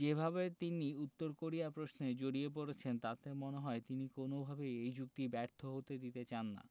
যেভাবে তিনি উত্তর কোরিয়া প্রশ্নে জড়িয়ে পড়েছেন তাতে মনে হয় তিনি কোনোভাবেই এই চুক্তি ব্যর্থ হতে দিতে চান না